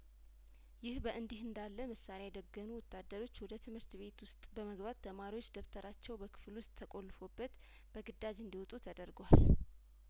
ይህ በእንዲህ እንዳለ መሳሪያ የደገኑ ወታደሮች ወደ ትምህርት ቤት ውስጥ በመግባት ተማሪዎች ደብተራቸው በክፍል ውስጥ ተቆልፎበት በግዳጅ እንዲወጡ ተደርጓል